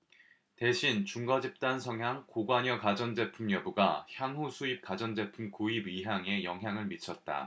대신 준거집단 성향 고관여가전제품 여부가 향후수입 가전제품 구입 의향에 영향을 미쳤다